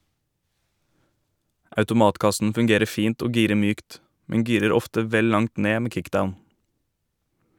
Automatkassen fungerer fint og girer mykt, men girer ofte vel langt ned med kickdown.